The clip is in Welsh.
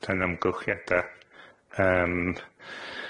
Dan amgylchiada yym